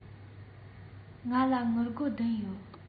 ང ལ སྒོར བདུན ཡོད